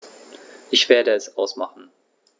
Ich werde es ausmachen